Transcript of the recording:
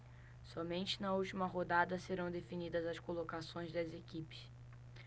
somente na última rodada serão definidas as colocações das equipes